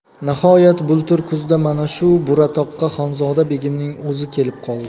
nihoyat bultur kuzda mana shu buratoqqa xonzoda begimning o'zi kelib qoldi